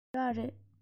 ཡོད རེད